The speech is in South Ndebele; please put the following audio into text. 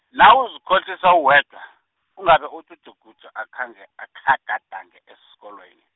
nawuzikhohlisa uwedwa, ungabe uthi uJuguja akhange, akhe agadange esikolweni.